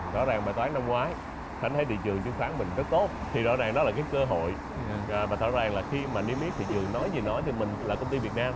rõ ràng bài toán năm ngoái khánh thấy thị trường chứng khoán mình rất tốt thì rõ ràng đó là cơ hội và rõ ràng là khi mà niêm yết thị trường nói gì nói mình là công ty việt nam